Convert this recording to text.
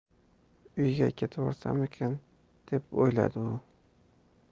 uyga ketvorsammikin deb o'yladi u